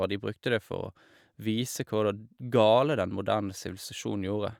Og de brukte det for å vise hvorda galt den moderne sivilisasjonen gjorde.